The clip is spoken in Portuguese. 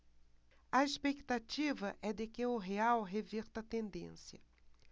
a expectativa é de que o real reverta a tendência